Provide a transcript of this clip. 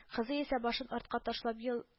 Ызый исә башын артка ташлап елм